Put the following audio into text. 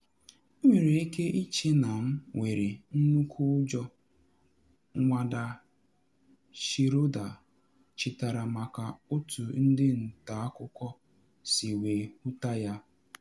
“Ị nwere ike ịche na m nwere nnukwu ụjọ,” Nwada Schroeder chetara maka otu ndị nta akụkọ si wee hụta ya.